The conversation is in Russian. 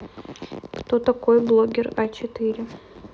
кто такой блогер а четыре